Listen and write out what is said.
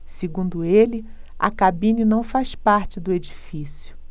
segundo ele a cabine não faz parte do edifício